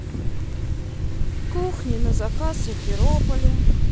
кухни на заказ в симферополе